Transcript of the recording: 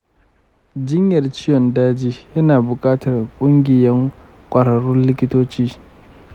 jinyar ciwon daji yana bukatan kungiyan kwararrun likitoci.